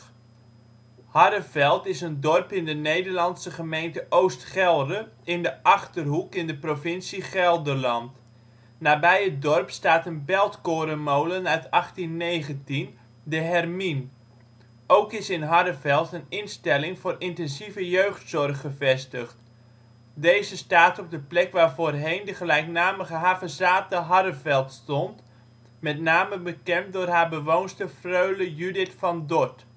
Harreveld is een dorp in de Nederlandse gemeente Oost Gelre in de Achterhoek (provincie Gelderland). Nabij het dorp staat een beltkorenmolen uit 1819, de " Hermien ". Ook is in Harreveld een instelling voor intensieve jeugdzorg gevestigd. Deze staat op de plek waar voorheen de gelijknamige havezathe Harreveld stond, met name bekend door haar bewoonster freule Judith van Dorth